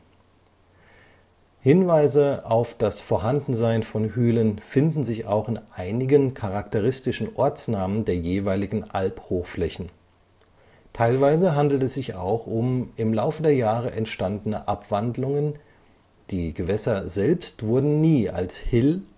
Hinweise auf das Vorhandensein von Hülen finden sich auch in einigen charakteristischen Ortsnamen der jeweiligen Albhochflächen. Teilweise handelt es sich auch um im Laufe der Jahre entstandene Abwandlungen, die Gewässer selbst wurden nie als Hill